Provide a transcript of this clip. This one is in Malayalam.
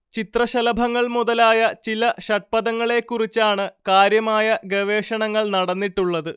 ചിത്രശലഭങ്ങൾ മുതലായ ചില ഷഡ്പദങ്ങളെക്കുറിച്ചാണ് കാര്യമായ ഗവേഷണങ്ങൾ നടന്നിട്ടുള്ളത്